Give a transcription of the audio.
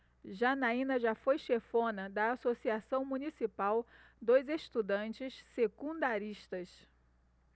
janaina foi chefona da ames associação municipal dos estudantes secundaristas